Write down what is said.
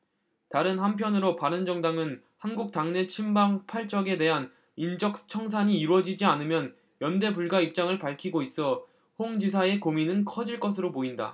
다른 한편으로는 바른정당은 한국당내 친박 팔 적에 대한 인적청산이 이뤄지지 않으면 연대 불가 입장을 밝히고 있어 홍 지사의 고민은 커질 것으로 보인다